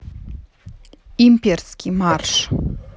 имперский марш